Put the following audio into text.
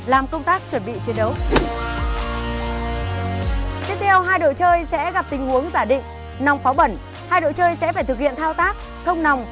làm công tác chuẩn bị chiến đấu tiếp theo hai đội chơi sẽ gặp tình huống giả định nòng pháo bẩn hai đội chơi sẽ phải thực hiện thao tác không nòng